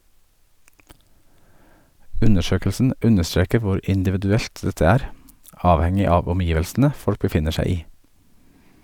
- Undersøkelsen understreker hvor individuelt dette er, avhengig av omgivelsene folk befinner seg i.